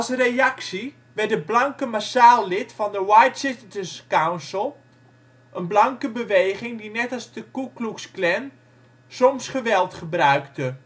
reactie werden blanken massaal lid van de White Citizens ' Council, een blanke beweging die net als de Ku Klux Klan soms geweld gebruikte